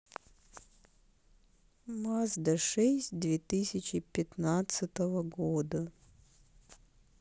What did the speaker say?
мазда шесть две тысячи пятнадцатого года